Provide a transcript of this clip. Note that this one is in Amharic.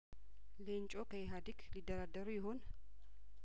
ሌንጮ ከኢህአዴግ ሊደራደሩ ይሆን